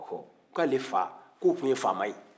k'ale fa k'o tun ye mansa ye